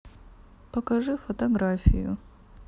покажи фотографию